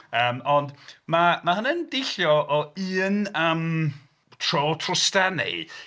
Yym ond mae... mae hynny'n deillio o un yym tro trwstan neu...